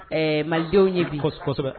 Ɛ malidenw ye bi kosɛbɛ